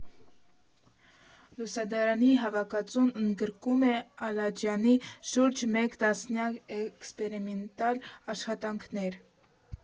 Լուսադարանի հավաքածուն ընդգրկում է Ալաջյանի շուրջ մեկ տասնյակ էքսպերիմենտալ աշխատանքներ։